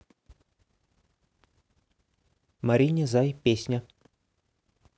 марине зай песня